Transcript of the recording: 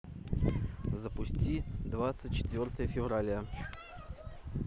запусти двадцать четвертое февраля